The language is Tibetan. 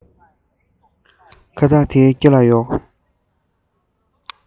ཁ བཏགས དེ སྐེ ལ གཡོགས